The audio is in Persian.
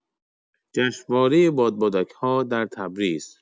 جشنواره بادبادک‌ها در تبریز